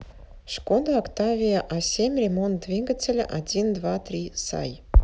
skoda octavia a семь ремонт двигателя один два три сай